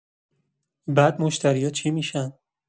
بعد مشتری‌ها چی می‌شن؟